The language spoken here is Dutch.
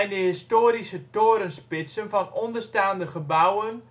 historische torenspitsen van onderstaande gebouwen